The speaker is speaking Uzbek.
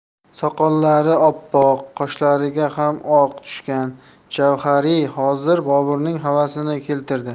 soqollari oppoq qoshlariga ham oq tushgan javhariy hozir boburning havasini keltirdi